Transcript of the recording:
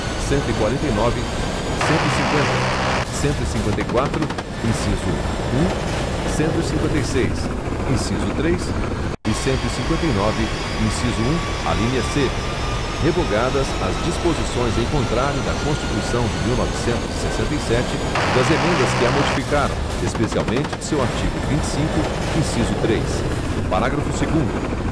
cento e quarenta e nove cento e cinquenta cento e cinquenta e quatro inciso um cento e cinquenta e seis inciso três e cento e cinquenta e nove inciso um alínea c revogadas as disposições em contrário da constituição de mil e novecentos e sessenta e sete e das emendas que a modificaram especialmente de seu artigo vinte e cinco inciso três parágrafo segundo